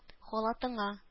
Халатыңа